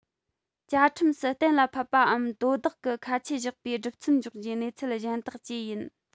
བཅའ ཁྲིམས སུ གཏན ལ ཕབ པའམ དོ བདག གིས ཁ ཆད བཞག པའི སྒྲུབ མཚམས འཇོག རྒྱུའི གནས ཚུལ གཞན དག བཅས ཡིན